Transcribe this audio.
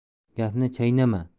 gapni chaynama